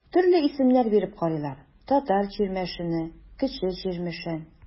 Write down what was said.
Төрле исемнәр биреп карыйлар: Татар Чирмешәне, Кече Чирмешән.